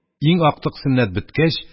Иң актык сөннәт беткәч